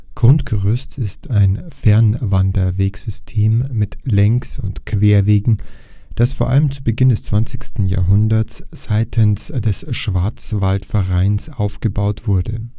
Grundgerüst ist ein Fernwanderwegesystem mit Längs - und Querwegen, das vor allem zu Beginn des 20. Jahrhunderts seitens des Schwarzwaldvereins aufgebaut wurde